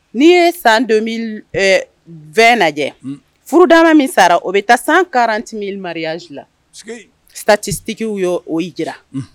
N'i ye san 2020 lajɛ ,furu 140 000 mariages la sikeye! statistiques ye o jira, unh!